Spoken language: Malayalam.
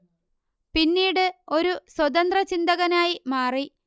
പിന്നീട് ഒരു സ്വതന്ത്ര ചിന്തകനായി മാറി